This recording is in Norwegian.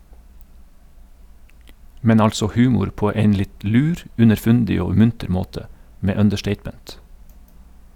Men altså humor på ein litt lur, underfundig og munter måte, med understatement.